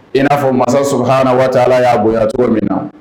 I in n'a fɔ mansaso hana waati ala y'a bonya cogo min na